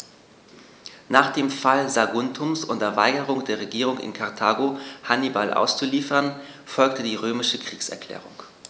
Nach dem Fall Saguntums und der Weigerung der Regierung in Karthago, Hannibal auszuliefern, folgte die römische Kriegserklärung.